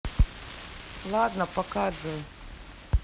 ладно пока джой